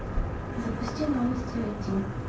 запусти новости ай ти